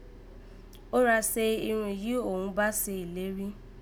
Ó ra se irun yìí Òghun bá se ìlérí